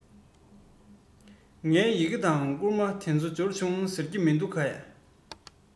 ངའི ཡི གེ དང བསྐུར མ དེ ཚོ འབྱོར བྱུང ཟེར གྱི མི འདུག གས